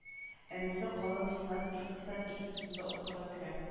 Энесе казан финанс-икътисад институтында укырга керә